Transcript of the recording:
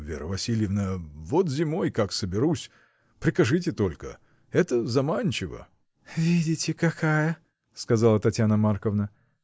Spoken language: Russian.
Вера Васильевна: вот зимой, как соберусь, — прикажите только. Это заманчиво. — Видите, какая! — сказала Татьяна Марковна.